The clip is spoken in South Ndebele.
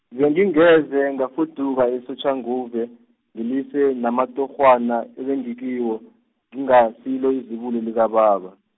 bengingeze ngafuduka eSoshanguve, ngilise namatorhwana ebengikiwo, ngingasilo izibulo lakababa.